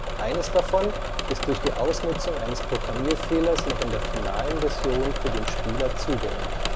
Eines davon ist durch die Ausnutzung eines Programmierfehlers noch in der finalen Version für den Spieler zugänglich